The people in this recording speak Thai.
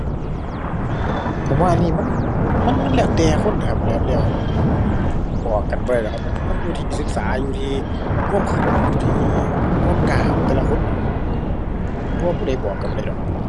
ผมว่าอันนี้มัน มัน มันแล้วแต่คนอะครับ แล้ว แล้ว มัน มันบอกกันบ่ได้ดอกครับ มันอยู่ที่ศึกษา อยู่ที่ความคิด อยู่ที่ความกล้าของแต่ละคนละครับ มัน จะว่าผู้ใดบอกคิดบ่ได้ดอกครับ